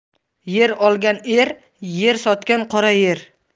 yer olgan er yer sotgan qora yer